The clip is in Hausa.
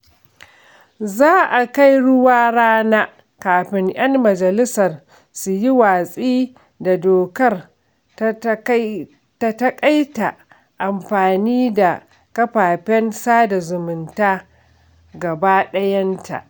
Za a kai-ruwa-rana kafin 'yan majalisar su yi watsi da dokar ta taƙaita amfani da kafafen sada zumunta gaba ɗayanta.